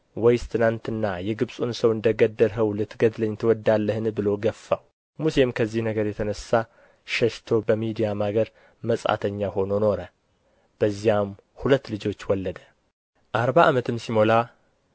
ወይስ ትናንትና የግብፁን ሰው እንደ ገደልኸው ልትገድለኝ ትወዳለህን ብሎ ገፋው ሙሴም ከዚህ ነገር የተነሣ ሸሽቶ በምድያም አገር መጻተኛ ሆኖ ኖረ በዚያም ሁለት ልጆች ወለደ አርባ ዓመትም ሲሞላ